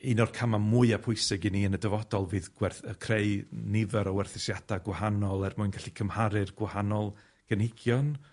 un o'r cama' mwya pwysig i ni yn y dyfodol fydd gwerth- yy creu nifer o werthusiada gwahanol er mwyn gallu cymharu'r gwahanol gynigion.